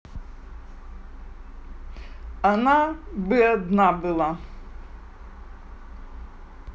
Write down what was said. она бы одна была